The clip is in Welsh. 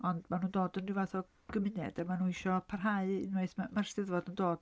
Ond maen nhw'n dod yn ryw fath o gymuned, a maen nhw isio parhau unwaith ma' ma'r 'Steddfod yn dod.